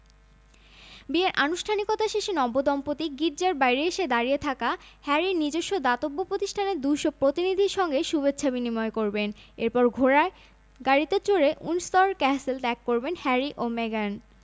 ১৯ May prince Harry ও মেগান মার্কেলের বিয়ে এখন চলছে শেষ মুহূর্তের প্রস্তুতি বিশ্বে এই রাজকীয় বিয়ে নিয়ে চলছে অনেক আলোচনা গবেষণা